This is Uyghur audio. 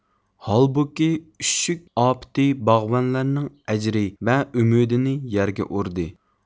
ھالبۇكى ئۈششۈك ئاپىتى باغۋەنلەرنىڭ ئەجرى ۋە ئۈمىدىنى يەرگە ئۇردى